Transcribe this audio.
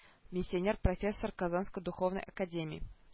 Миссионер профессор казанской духовной академии